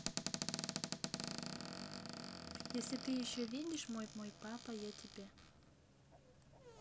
если ты еще видишь мой мой папа я тебе